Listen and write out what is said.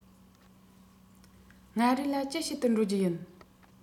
མངའ རིས ལ ཅི བྱེད དུ འགྲོ རྒྱུ ཡིན